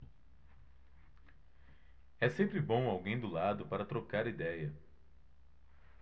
é sempre bom alguém do lado para trocar idéia